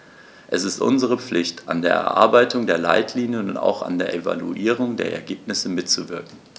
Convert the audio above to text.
Es ist unsere Pflicht, an der Erarbeitung der Leitlinien und auch an der Evaluierung der Ergebnisse mitzuwirken.